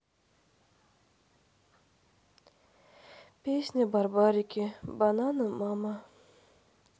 песня барбарики банана мама